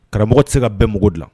Karamɔgɔ tɛ se ka bɛn mugu dilan